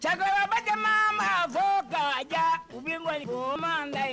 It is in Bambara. Cɛkɔrɔba caman ba fɔ ka ja. U bi